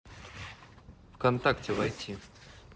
вконтакте войти